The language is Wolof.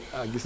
ah gis